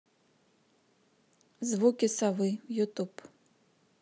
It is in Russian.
звуки совы ютюб